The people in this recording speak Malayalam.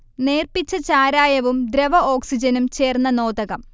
നേർപ്പിച്ച ചാരായവും ദ്രവ ഓക്സിജനും ചേർന്ന നോദകം